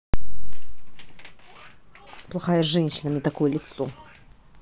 плохая женщина мне такое лицо